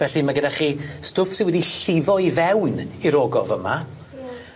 Felly ma' gyda chi stwff sy wedi llifo i fewn i'r ogof yma. Ie.